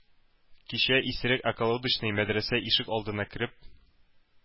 Кичә исерек околодочный мәдрәсә ишек алдына кереп,